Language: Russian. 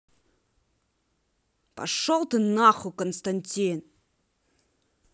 пошел ты нахуй константин